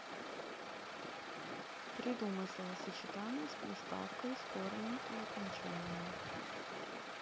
придумай словосочетание с приставкой с корнем и окончанием